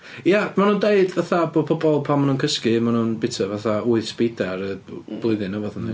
Ia, maen nhw'n deud fatha bod pobl pan maen nhw'n cysgu maen nhw bwyta fatha wyth spider ar y blwyddyn neu rywbeth, yndi.